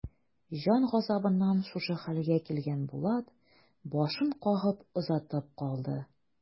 Җан газабыннан шушы хәлгә килгән Булат башын кагып озатып калды.